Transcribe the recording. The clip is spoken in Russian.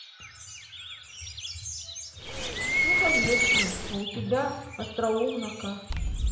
ну конечно а у тебя остроумно ка